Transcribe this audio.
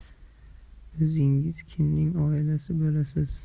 o'zingiz kimning oilasi bo'lasiz